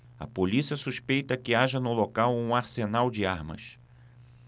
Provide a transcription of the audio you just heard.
a polícia suspeita que haja no local um arsenal de armas